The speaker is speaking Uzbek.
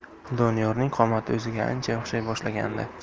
doniyorning qomati o'ziga ancha o'xshay boshlagandi